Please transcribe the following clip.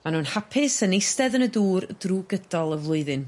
Ma' nw'n hapus yn eistedd yn y dŵr drw gydol y flwyddyn.